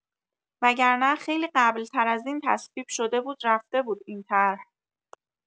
وگرنه خیلی قبل‌‌تر از این تصویب‌شده بود رفته بود این طرح!